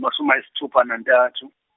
mashumi ayisithupha nantathu.